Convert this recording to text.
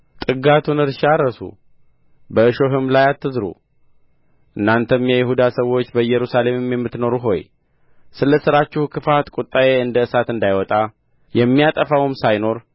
ጥጋቱን እርሻ እረሱ በእሾህም ላይ አትዝሩ እናንተም የይሁዳ ሰዎች በኢየሩሳሌምም የምትኖሩ ሆይ ስለ ሥራችሁ ክፋት ከወጣዬ እንደ እሳት